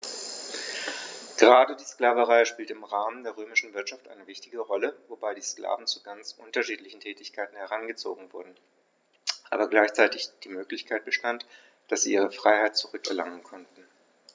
Gerade die Sklaverei spielte im Rahmen der römischen Wirtschaft eine wichtige Rolle, wobei die Sklaven zu ganz unterschiedlichen Tätigkeiten herangezogen wurden, aber gleichzeitig die Möglichkeit bestand, dass sie ihre Freiheit zurück erlangen konnten.